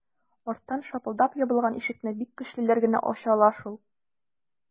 Арттан шапылдап ябылган ишекне бик көчлеләр генә ача ала шул...